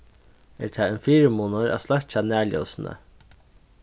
er tað ein fyrimunur at sløkkja nærljósini